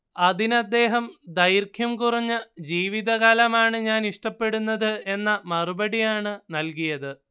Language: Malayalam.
അതിനദ്ദേഹം ദൈർഘ്യം കുറഞ്ഞ ജീവിതകാലമാണ് ഞാൻ ഇഷ്ടപ്പെടുന്നത് എന്ന മറുപടിയാണ് നൽകിയത്